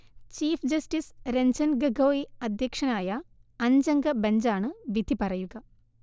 chief justice Ranjan Gogoi അധ്യക്ഷനായ അഞ്ചംഗ ബഞ്ചാണ് വിധിപറയുക